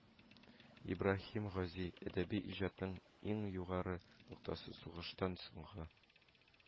Ибраһим Гази әдәби иҗатының иң югары ноктасы сугыштан соңгы